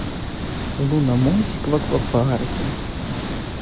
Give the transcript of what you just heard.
луномосик в аквапарке